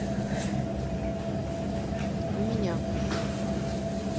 у меня